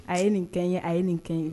A ye nin kɛ ye a ye nin kɛ ye